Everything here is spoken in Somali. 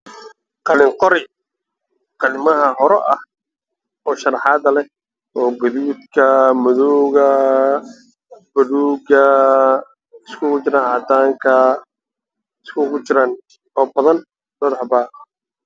Waa qalin qori qalimahii hora ah